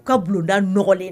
U ka bulonda nɔgɔlen